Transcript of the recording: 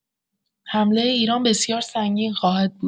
حمله ایران بسیار سنگین خواهد بود!